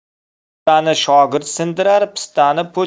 ustani shogird sindirar pistani po'choq